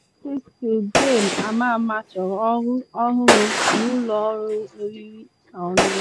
Onye nke Still Game ama ama chọrọ ọrụ ọhụrụ n’ụlọ ọrụ oriri na ọṅụṅụ